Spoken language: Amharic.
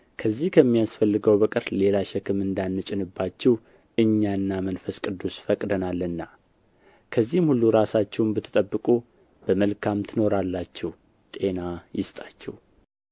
ከዚህ ከሚያስፈልገው በቀር ሌላ ሸክም እንዳንጭንባችሁ እኛና መንፈስ ቅዱስ ፈቅደናልና ከዚህም ሁሉ ራሳችሁን ብትጠብቁ በመልካም ትኖራላችሁ ጤና ይስጣችሁ